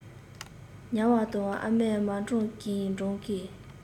ཉལ བ དང ཨ མས མ བགྲང གིན བགྲང གིན